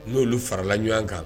N'olu farala ɲɔgɔn kan